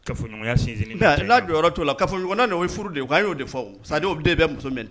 Kaya sin n'a yɔrɔ' la ka ɲɔgɔnna furu de y'o de sa de bɛ muso min